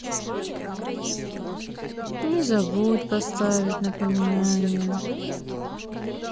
не забудь поставить напоминание